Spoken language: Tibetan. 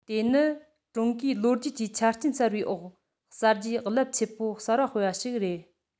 དེ ནི ཀྲུང གོས ལོ རྒྱུས ཀྱི ཆ རྐྱེན གསར པའི འོག གསར བརྗེ རླབས པོ ཆེ གསར པ སྤེལ བ ཞིག རེད